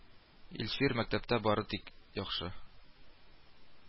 Илфир мәктәптә бары тик яхшы